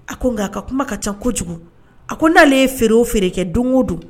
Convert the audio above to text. A ko nka a ka kuma ka ca kojugu a ko n'ale ye feere o feere kɛ don o don